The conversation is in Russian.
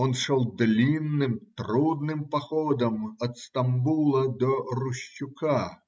Он шел длинным, трудным походом от Стамбула до Рущука.